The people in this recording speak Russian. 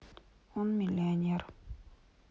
он миллионер